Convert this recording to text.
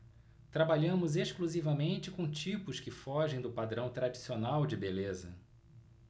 trabalhamos exclusivamente com tipos que fogem do padrão tradicional de beleza